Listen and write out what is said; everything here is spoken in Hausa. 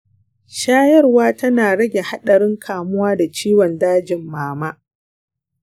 shayarwa tana rage haɗarin kamuwa da ciwon dajin mama?